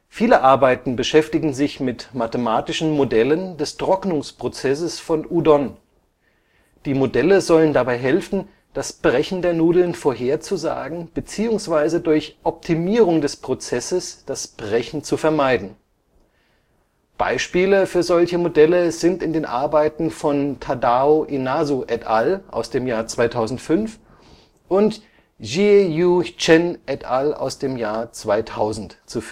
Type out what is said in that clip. Viele Arbeiten beschäftigen sich mit mathematischen Modellen des Trocknungsprozesses von Udon. Die Modelle sollen dabei helfen, das Brechen der Nudeln vorherzusagen beziehungsweise durch Optimierung des Prozesses das Brechen zu vermeiden. Beispiele für solche Modelle sind in den Arbeiten von Tadao Inazu et al. (2005) und Jie Yu Chen et al. (2000) zu